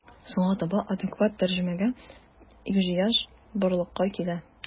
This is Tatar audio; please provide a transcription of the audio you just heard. Соңга таба адекват тәрҗемәгә ихҗыяҗ барлыкка килә.